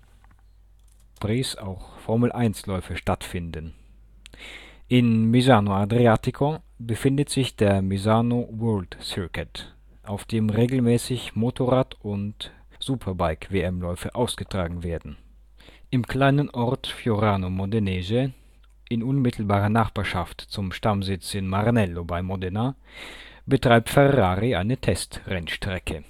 Motorrad-Grands-Prix auch Formel-1-Läufe stattfinden. In Misano Adriatico befindet sich der Misano World Circuit, auf dem regelmäßig Motorrad - und Superbike-WM-Läufe ausgetragen werden. Im kleinen Ort Fiorano Modenese in unmittelbarer Nachbarschaft zum Stammsitz in Maranello bei Modena betreibt Ferrari eine Testrennstrecke